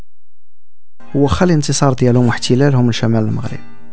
وخلي انت صرتي لو ما احكي لهم شيء من المغرب